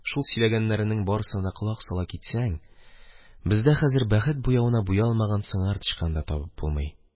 Шул сөйләгәннәрнең барысына да колак сала китсәң, бездә хәзер бәхет буявына буялмаган сыңар аяклы тычкан да табып булмый.